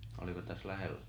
oliko tässä lähellä